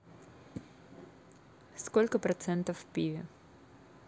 сколько процентов в пиве